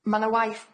Ma' na waith da